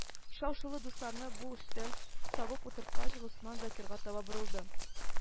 Шау-шулы дусларны буш өстәл табып утырткач, Госман Закирга таба борылды: